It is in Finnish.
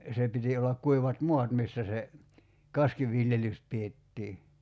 se piti olla kuivat maat missä se kaskiviljelys pidettiin